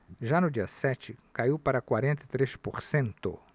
já no dia sete caiu para quarenta e três por cento